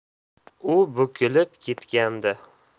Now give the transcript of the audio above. u bukilib ketgandi